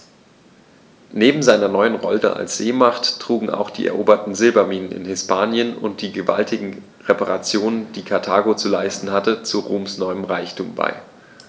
Neben seiner neuen Rolle als Seemacht trugen auch die eroberten Silberminen in Hispanien und die gewaltigen Reparationen, die Karthago zu leisten hatte, zu Roms neuem Reichtum bei.